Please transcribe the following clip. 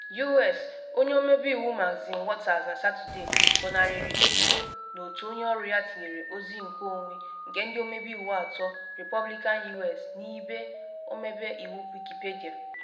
U.S. Onye ọmebe iwu Maxine Waters na Satọde gọnarịrị ebubo na otu onye ọrụ ya tinyere ozi nkeonwe nke ndị ọmebe iwu atọ Repọblikan U.S. na ibe ọmebe iwu Wikipedia.